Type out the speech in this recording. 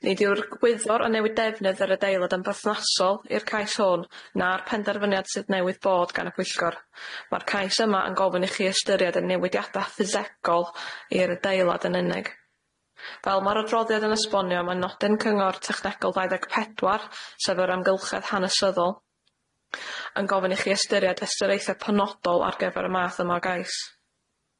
Nid yw'r gwyddor yn newid defnydd yr adeilad yn berthnasol i'r cais hwn na'r penderfyniad sydd newydd bod gan y pwyllgor. Ma'r cais yma yn gofyn i chi ystyried y newidiada' ffisegol i'r adeilad yn unig fel ma'r adroddiad yn esbonio ma' nodyn cyngor technegol ddau ddeg pedwar sef yr amgylchedd hanesyddol, yn gofyn i chi ystyried ystyriaethe penodol ar gyfer y math yma o gais.